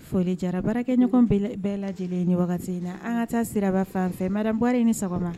Foli jara baarakɛɲɔgɔn bɛɛ lajɛlen ɲɛ wagati in la an ka taa siraba fan fɛ maraɔr in ni sɔgɔma